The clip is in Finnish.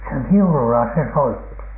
se viululla se soitti